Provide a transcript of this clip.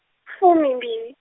fumimbili.